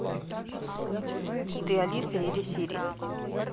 ты алиса или сири